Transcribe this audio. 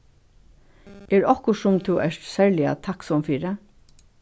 er okkurt sum tú ert serliga takksom fyri